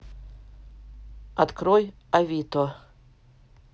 открой авито